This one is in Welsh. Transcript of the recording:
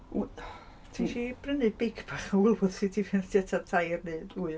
W-, yy... Wnes i brynu beic bach o Woolworths i ti pan o't ti tua tair neu dwy.